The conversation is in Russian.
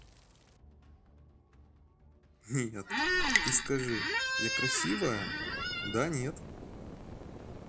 нет ты скажи я красивая да нет